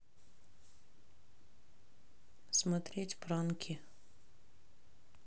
смотреть пранки